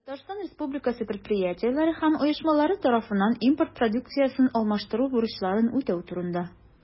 Татарстан Республикасы предприятиеләре һәм оешмалары тарафыннан импорт продукциясен алмаштыру бурычларын үтәү турында.